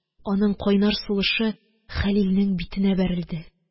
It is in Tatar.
Аның кайнар сулышы Хәлилнең битенә бәрелде.